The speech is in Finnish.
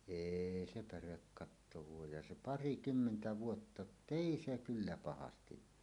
ei se pärekatto vuoda ja se parikymmentä vuotta jotta ei se kyllä pahasti vuoda